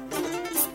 Hɛrɛ